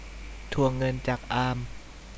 ทวงเงินจากอาม